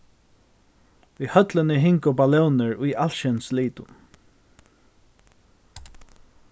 í høllini hingu ballónir í alskyns litum